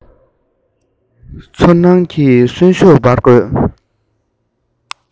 ཚོར སྣང གི གསོན ཤུགས སྦར དགོས